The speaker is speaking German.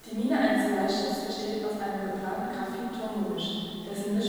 Mine eines Bleistifts besteht aus einem gebrannten Graphit-Ton-Gemisch, dessen